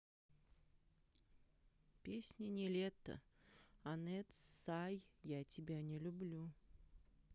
песня niletto анет сай я тебя не люблю